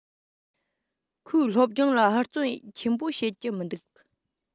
ཁོས སློབ སྦྱོང ལ ཧུར བརྩོན ཆེན པོ བྱེད ཀྱི མི འདུག